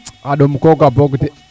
a ɗom koga boog de